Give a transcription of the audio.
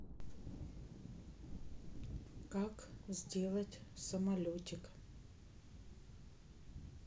как сделать самолетик